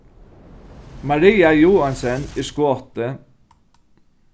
maria joensen er skoti